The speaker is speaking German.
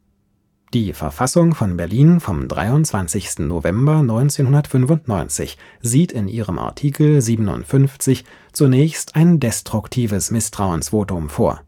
Die Verfassung von Berlin vom 23. November 1995 sieht in ihrem Artikel 57 zunächst ein destruktives Misstrauensvotum vor